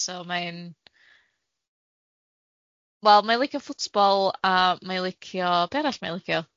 So mai'n, wel mai'n licio ffwtbol a mai'n licio, be arall mai'n licio?